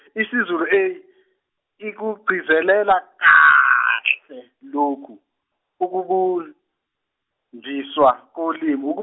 isiZulu A ikugcizelela kahle lokhu ukubundiswa kolimi .